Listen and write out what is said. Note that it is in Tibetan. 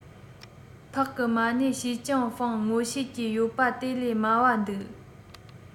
ཕག གི མ གནས ཞེ ཅིན ཧྥེང ངོ ཤེས ཀྱི ཡོད པ སྟེ ལས དམའ བ འདུག